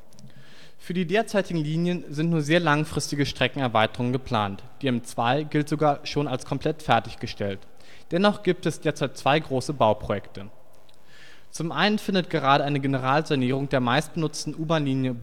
Für die derzeitigen Linien sind nur sehr langfristige Streckenerweiterungen geplant, die M2 gilt sogar schon als komplett fertig gestellt. Dennoch gibt es derzeit zwei große Bauprojekte: Zum einen findet gerade eine Generalsanierung der meistbenutzten U-Bahnlinie